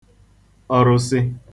ọrụsị